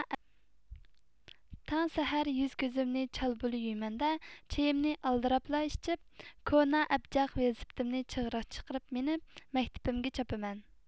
تاڭ سەھەر يۈز كۆزۈمنى چالا بۇلا يۇيىمەندە چېيىمنى ئالدىراپلا ئىچىپ كونا ئەبجەق ۋېلىسىپىتىمنى چىغرىق چىقىرىپ مىنىپ مەكتىپىمگە چاپىمەن